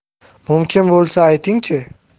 mumkin bo'lsa aytingchi